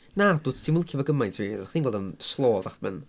Na dwyt t- ti'm yn licio fo gymaint â fi. Oedda chdi'n gweld o'n slow oeddach b- yn...